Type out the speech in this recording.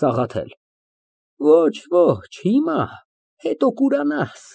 ՍԱՂԱԹԵԼ ֊ Ոչ, ոչ, հիմա, հետո կուրանաս։